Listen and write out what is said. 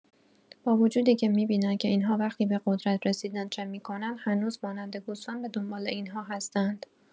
با وجودیکه می‌بینند که این‌ها وقتی به قدرت رسیدند چه می‌کنند، هنوز مانند گوسفند بدنبال این‌ها هستند.